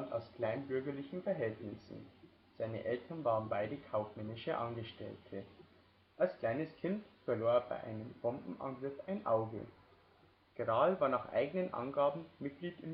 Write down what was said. aus kleinbürgerlichen Verhältnissen, seine Eltern waren beide kaufmännische Angestellte. Als kleines Kind verlor er bei einem Bombenangriff ein Auge. Krahl war nach eigenen Angaben Mitglied